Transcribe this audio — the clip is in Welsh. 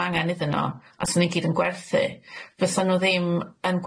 nw angen iddy nw a sa nw gyd yn gwerthu fysa nw ddim yn